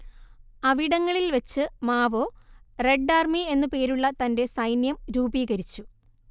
അവിടങ്ങളിൽ വെച്ച് Mao red army എന്നു പേരുള്ള തന്റെ സൈന്യം രൂപീകരിച്ചു